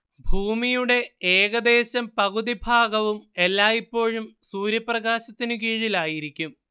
ഭൂമിയുടേ ഏകദേശം പകുതി ഭാഗവും എല്ലായ്പ്പോഴും സൂര്യപ്രകാശത്തിന് കീഴിലായിരിക്കും